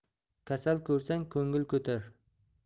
kasal ko'rsang ko'ngil ko'tar